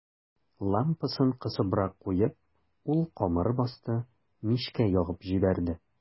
Лампасын кысыбрак куеп, ул камыр басты, мичкә ягып җибәрде.